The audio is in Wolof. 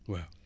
waaw